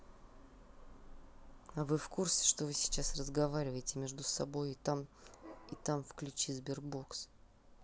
а вы в курсе что вы сейчас разговариваете между собой и там и там включи sberbox